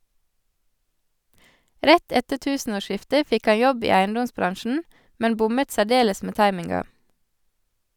Rett etter tusenårsskiftet fikk han jobb i eiendomsbransjen - men bommet særdeles med timinga.